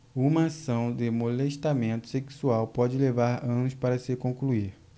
uma ação de molestamento sexual pode levar anos para se concluir